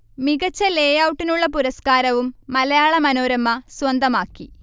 മികച്ച ലേ ഔട്ടിനുള്ള പുരസ്കാരവും മലയാള മനോരമ സ്വന്തമാക്കി